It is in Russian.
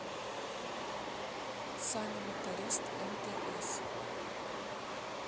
саня моторист мтс